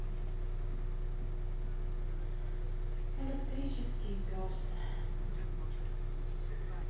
электрический пес